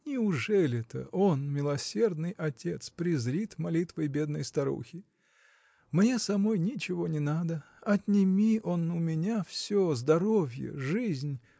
Неужели-то он, милосердый отец, презрит молитвой бедной старухи? Мне самой ничего не надо. Отними он у меня все здоровье жизнь